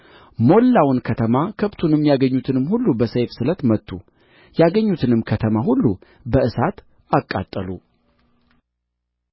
ሞላውን ከተማ ከብቱንም ያገኙትንም ሁሉ በሰይፍ ስለት መቱ ያገኙትንም ከተማ ሁሉ በእሳት አቃጠሉ